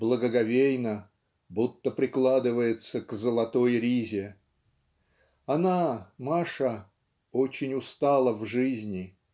"благоговейно, будто прикладывается к золотой ризе". Она Маша "очень устала в жизни"